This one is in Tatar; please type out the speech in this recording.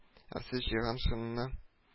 Әрсез җиһаншинны